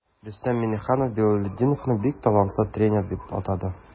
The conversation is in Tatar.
Рөстәм Миңнеханов Билалетдиновны бик талантлы тренер дип атады.